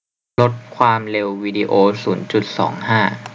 ลดความเร็ววีดีโอศูนย์จุดสองห้า